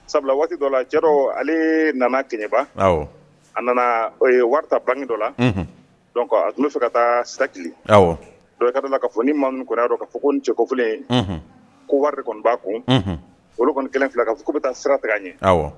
Sabula waati dɔ la cɛ ale nana keɲɛba a nana wari ban dɔ la a tun fɛ ka taa sa dɔka la ka fɔ ni maa min ko ka fɔ ko ni cɛ ko kelen ko wari kɔni b' kun olu kɔni kelen fila kan fo ko bɛ taa sira tigɛ a ɲɛ